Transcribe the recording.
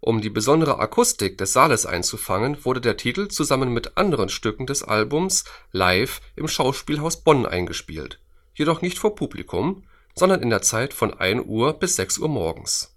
Um die besondere Akustik des Saales einzufangen, wurde der Titel, zusammen mit anderen Stücken des Albums live im Schauspielhaus Bonn eingespielt; jedoch nicht vor Publikum, sondern in der Zeit von 1 Uhr bis 6 Uhr morgens